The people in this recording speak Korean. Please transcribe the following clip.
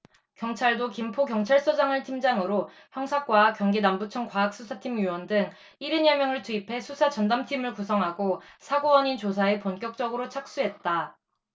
경찰도 김포경찰서장을 팀장으로 형사과와 경기남부청 과학수사팀 요원 등 일흔 여명을 투입해 수사 전담팀을 구성하고 사고 원인 조사에 본격적으로 착수했다